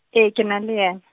e kena le yena.